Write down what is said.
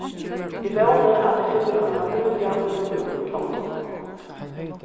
eg vóni at eg finni eina bíliga íbúð í london